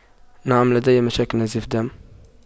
نعم لدي مشاكل نزيف دم